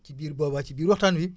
ci diir booba ci biir waxtaan wi